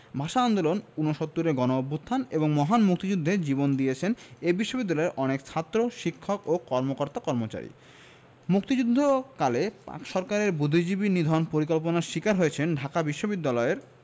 ভাষা আন্দোলন উনসত্তুরের গণঅভ্যুত্থান এবং মহান মুক্তিযুদ্ধে জীবন দিয়েছেন এ বিশ্ববিদ্যালয়ের অনেক ছাত্র শিক্ষক ও কর্মকর্তা কর্মচারী মুক্তিযুদ্ধকালে পাক সরকারের বুদ্ধিজীবী নিধন পরিকল্পনার শিকার হয়েছেন ঢাকা বিশ্ববিদ্যাপলয়ের